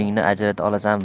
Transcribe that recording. kuningni ajrata olasanmi